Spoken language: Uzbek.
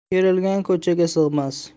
kerilgan ko'chaga sig'mas